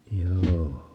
joo